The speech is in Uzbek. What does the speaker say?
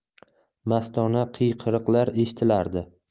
mastona qiyqiriqlar eshitilardi